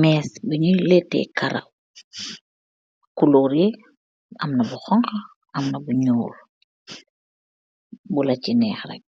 mehss bunyew lehtahi karaaww, kolor yi amna bu oungka ,amna bu nyuol, bula ce nehh rek.